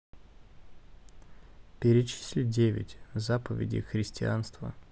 перечисли девять заповедей христианства